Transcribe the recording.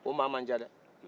o maa macan dɛ